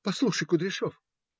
- Послушай, Кудряшов.